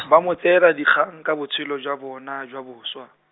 ba mo tseela dikgang ka botshelo jwa bona jwa bošwa.